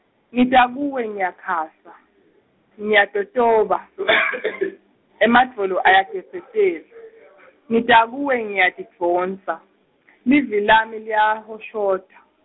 ngita kuwe ngiyakhasa, Ngiyatotoba , emadvolo ayagedzetela , Ngita kuwe ngiyatidvonsa, Livi lami liyahoshota.